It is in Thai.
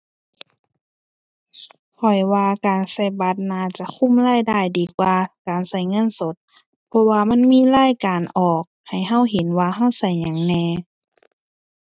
ข้อยว่าการใช้บัตรน่าจะคุมรายได้ดีกว่าการใช้เงินสด เพราะว่ามันมีรายการออกให้ใช้เห็นว่าใช้ใช้หยังแหน่